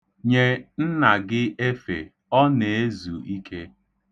Nye nna gị efe, ọ na-ezu ike.